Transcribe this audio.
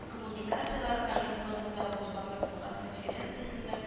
Коммуникацияләр агентлыгында узган матбугат конференциясендә